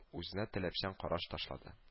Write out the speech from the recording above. Үзенә таләпчән караш ташлады